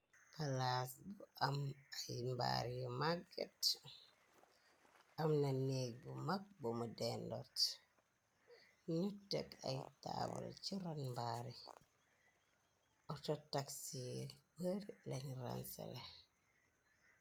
Plaas bu am ay mbaar yu màgget am na neeg bu mag bumu dendot. Nyu teg ay taawal ci ran mbaari artotaxir nëri lañ ransale.